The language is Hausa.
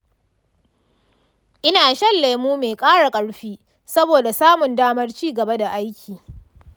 ina shan lemo mai ƙara ƙarfi saboda samun damar ci gaba da aiki